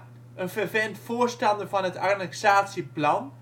voorstander van het annexatieplan